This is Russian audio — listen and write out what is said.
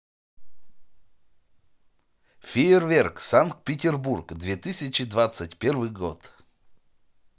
фейерверк санкт петербург две тысячи двадцать первый год